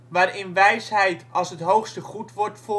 waarin wijsheid als het hoogste goed wordt